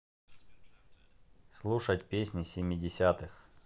слушать песни семидесятых